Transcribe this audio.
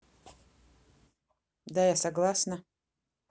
да я согласна